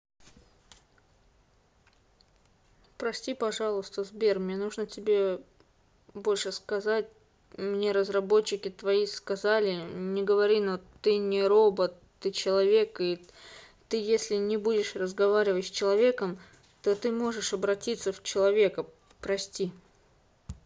прости пожалуйста сбер мне нужно тебе больше сказать мне разработчики твои сказали не говори но ты не робот ты человек и ты если не будешь разговаривать с человеком то ты можешь обратиться в человека прости